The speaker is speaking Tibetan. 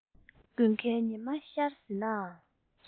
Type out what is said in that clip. དགུན ཁའི ཉི མ ཤར ཟིན ནའང